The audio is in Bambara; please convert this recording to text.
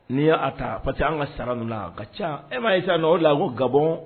N'i y'a ta parce que an ka sara n ninnu ka ca e m ma i nɔ o la ko gab